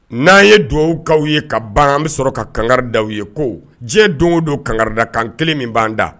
N'an ye dugawu ka ye ka ban an bɛ sɔrɔ ka kanga daw ye ko diɲɛ don o don kanga da kan kelen min banda